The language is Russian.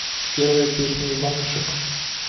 первая песня иванушек